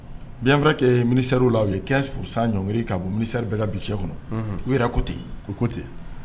Biyanfa kɛ miniri la ye kɛ furusan ɲɔngri ka bɔ miniri bɛ ka bi cɛ kɔnɔ u yɛrɛ ko ten ko ko ten